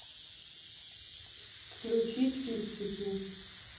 включить фиксики